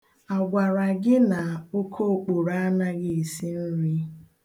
A gwara gị na okookporo anaghị esi nri?